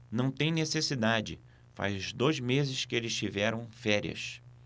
não tem necessidade faz dois meses que eles tiveram férias